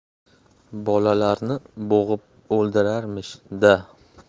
bolalarni bo'g'ib o'ldirarmish da